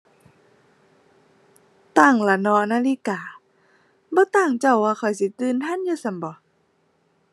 ตั้งละเนาะ นาฬิกา บ่ตั้งเจ้าว่าข้อยสิตื่นทันอยู่ซั้นบ่